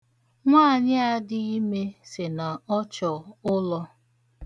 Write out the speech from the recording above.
Nwaanyị a dị ime sị na ọ chọ ụlọ.